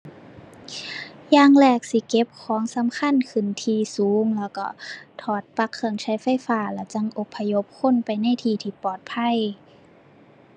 อย่างแรกสิเก็บของสำคัญขึ้นที่สูง แล้วก็ถอดปลั๊กเครื่องใช้ไฟฟ้า แล้วจั่งอพยพคนไปในที่ที่ปลอดภัย